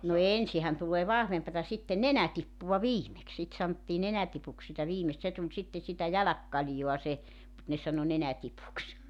no ensinhän tulee vahvempaa sitten nenätippua viimeksi sitä sanottiin nenätipuksi sitä viimeistä se tuli sitten sitä jälkikaljaa se mutta ne sanoi nenätipuksi